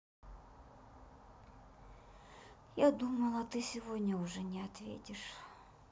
я думала ты сегодня уже не ответишь